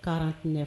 Kaana tɛ